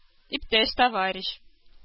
Иптәш-товарищ